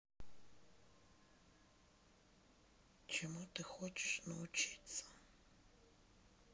чему ты хочешь научиться